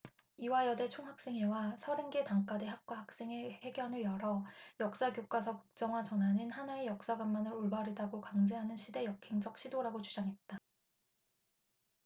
이화여대 총학생회와 서른 개 단과대 학과 학생회 회견을 열어 역사 교과서 국정화 전환은 하나의 역사관만을 올바르다고 강제하는 시대 역행적 시도라고 주장했다